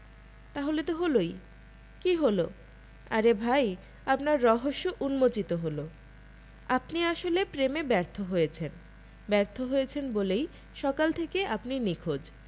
তাহলে তো হলোই কী হলো আরে ভাই আপনার রহস্য উম্মোচিত হলো আপনি আসলে প্রেমে ব্যর্থ হয়েছেন ব্যর্থ হয়েছেন বলেই সকাল থেকে আপনি নিখোঁজ